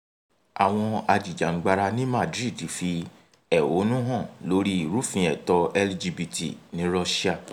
Àwọn ajìjàǹgbara ní Madrid fi ẹ̀hónú hàn lórí ìrúfin ẹ̀tọ́ LGBT ní Russia